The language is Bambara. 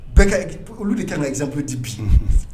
Bɛɛ olu de kan kasap di bi